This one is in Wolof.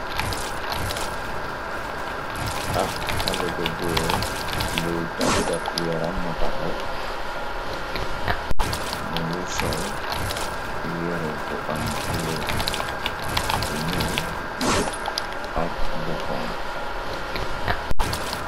Ab xaleh bu goor buy tàggat yoramma taxaw muge sol yere bu am koloor bu nuul ak bu xonxo.